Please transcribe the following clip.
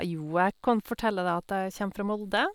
Jo, jeg kan fortelle deg at jeg kjem fra Molde.